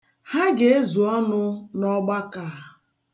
Ha ga-ezu ọnụ n'ọgbakọ a.